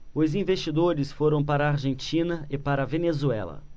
os investidores foram para a argentina e para a venezuela